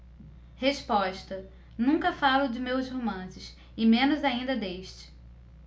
resposta nunca falo de meus romances e menos ainda deste